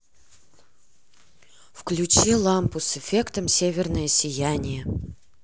включи лампу с эффектом северное сияние